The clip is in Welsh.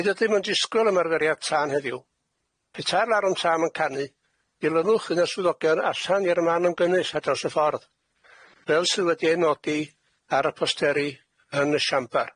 Nid ydym yn disgwyl ymarferiad tân heddiw, petai'r larwm tân yn canu, dilynwch un o swyddogion allan i'r man ymgynnyll ar draws y ffordd, fel sy' wedi ei nodi ar y posteri yn y siambar.